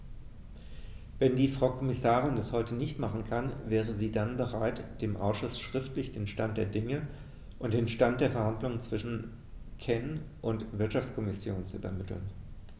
Wenn die Frau Kommissarin das heute nicht machen kann, wäre sie dann bereit, dem Ausschuss schriftlich den Stand der Dinge und den Stand der Verhandlungen zwischen CEN und Wirtschaftskommission zu übermitteln?